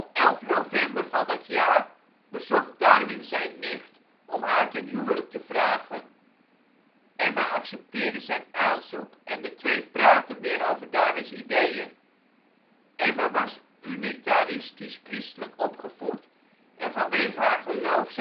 11 november van dat jaar bezocht Darwin zijn nicht om haar ten huwelijk te vragen. Emma accepteerde zijn aanzoek en de twee praatten weer over Darwins ideeën. Emma was unitaristisch christelijk opgevoed en vanwege haar geloof